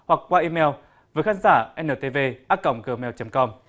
hoặc qua i meo với khán giả en nờ tê vê a còng gờ meo chấm com